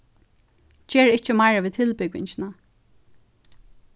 gera ikki meira við tilbúgvingina